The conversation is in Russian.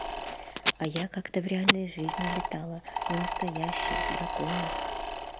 а я как то в реальной жизни летала на настоящий драконий